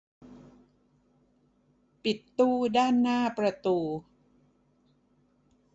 ปิดตู้ด้านหน้าประตู